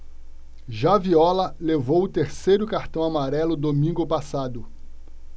já viola levou o terceiro cartão amarelo domingo passado